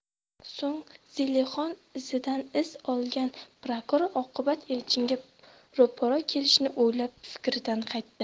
so'ng zelixon izidan is olgan prokuror oqibat elchinga ro'para kelishini o'ylab fikridan qaytdi